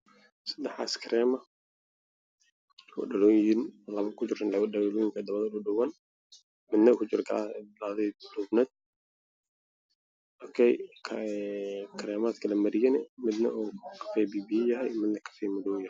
Waa sadex askariin oo ku jira dhalo waxaa la marin kareemooyin cadaan ah iyo guduud waxaa ku jira qaado dheer